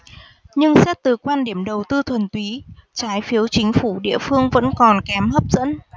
nhưng xét từ quan điểm đầu tư thuần túy trái phiếu chính phủ địa phương vẫn còn kém hấp dẫn